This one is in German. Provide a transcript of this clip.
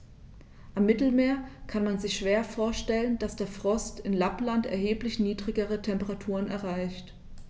Am Mittelmeer kann man sich schwer vorstellen, dass der Frost in Lappland erheblich niedrigere Temperaturen erreicht.